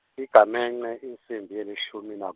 Igabence, insimbi yelishumi nak-.